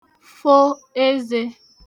fo ezē